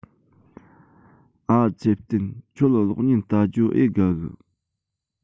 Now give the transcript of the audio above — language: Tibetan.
ཨ ཚེ བརྟན ཁྱོད གློག བརྙན བལྟ རྒྱུའོ ཨེ དགའ གི